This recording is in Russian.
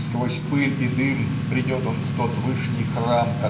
Сквозь пыль и дым придет он в тот вышний храм